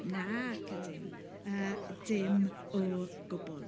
Nac ydyn. Yy dim o gwbl.